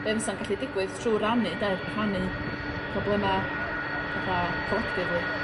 be fasa'n gallu digwydd trw rannu 'de rhannu problema fatha collectively.